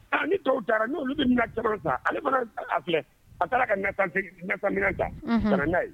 A ni tɔw taara n'olu bɛ minɛ jamana sa ale mana a filɛ a taara ka ta ka n' ye